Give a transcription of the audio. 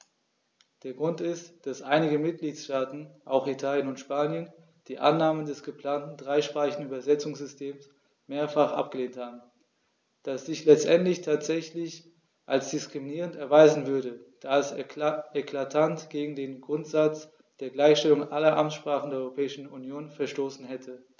Der Grund ist, dass einige Mitgliedstaaten - auch Italien und Spanien - die Annahme des geplanten dreisprachigen Übersetzungssystems mehrfach abgelehnt haben, das sich letztendlich tatsächlich als diskriminierend erweisen würde, da es eklatant gegen den Grundsatz der Gleichstellung aller Amtssprachen der Europäischen Union verstoßen hätte.